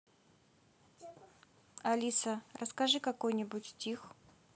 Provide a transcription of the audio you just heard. алиса расскажи какой нибудь стих